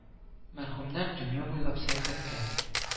Мәрхүмнәр дөнья буйлап сәяхәткә